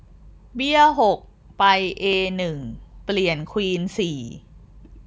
เบี้ยหกไปเอหนึ่งเปลี่ยนควีนสี่